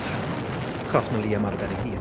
Pam? Achos mae Liam ar ben ei hun?